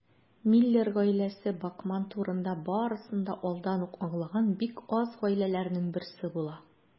Миллер гаиләсе Бакман турында барысын да алдан ук аңлаган бик аз гаиләләрнең берсе була.